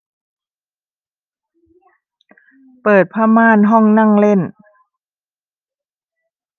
เปิดผ้าม่านห้องนั่งเล่น